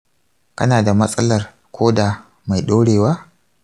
kana da matsalar koda mai ɗorewa?